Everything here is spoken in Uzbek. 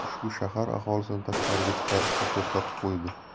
ushbu shahar aholisini tashqariga chiqarishni to'xtatib qo'ydi